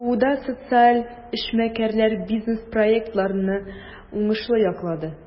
КФУда социаль эшмәкәрләр бизнес-проектларны уңышлы яклады.